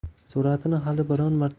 suratni hali biron marta